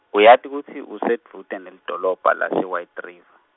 uyati kutsi usedvute nelidolobha lase- White River?